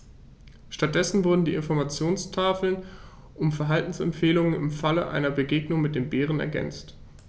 Stattdessen wurden die Informationstafeln um Verhaltensempfehlungen im Falle einer Begegnung mit dem Bären ergänzt.